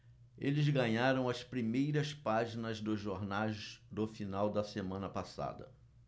eles ganharam as primeiras páginas dos jornais do final da semana passada